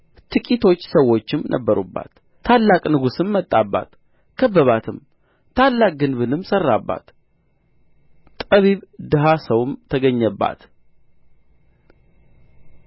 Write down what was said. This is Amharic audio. ጥቂቶች ሰዎችም ነበሩባት ታላቅ ንጉሥም መጣባት ከበባትም ታላቅ ግንብም ሠራባት ጠቢብ ድሀ ሰውም ተገኘባት